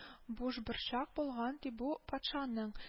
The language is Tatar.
Бушборчак булган, ди, бу патшаның